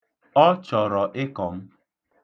Ọ chọrọ ịkọ m.